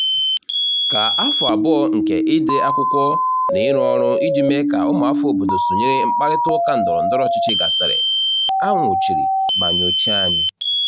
Ka afọ abụọ nke ide akwụkwọ na ịrụ ọrụ iji mee ka ụmụafọ obodo sonyere mkparịtaụka ndọrọ ndọrọ ọchịchị gasịrị, a nwụchiri ma nyochaa anyị.